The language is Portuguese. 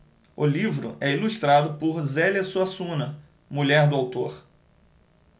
o livro é ilustrado por zélia suassuna mulher do autor